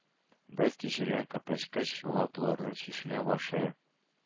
Без кичергән коточкыч югалтуларның чишмә башы.